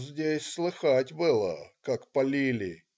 "Здесь слыхать было, как палили.